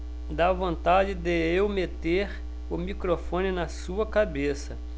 dá vontade de eu meter o microfone na sua cabeça